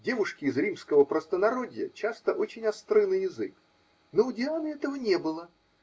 Девушки из римского простонародья часто очень остры на язык, но у Дианы этого не было